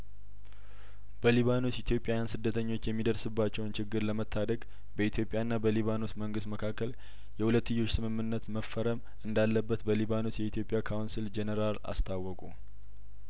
በሊባኖስ ኢትዮጵያውያን ስደተኞች የሚደርስባቸውን ችግር ለመታደግ በኢትዮጵያ ና በሊባኖስ መንግስት መካከል የሁለትዮሽ ስምምነት መፈረም እንዳለበት በሊባኖስ የኢትዮጵያ ካውንስል ጄኔራል አስታወቁ